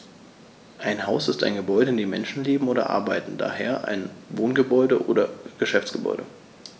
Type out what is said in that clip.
Ein Haus ist ein Gebäude, in dem Menschen leben oder arbeiten, d. h. ein Wohngebäude oder Geschäftsgebäude.